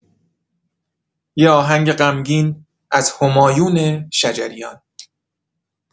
یه آهنگ غمگین از همایون شجریان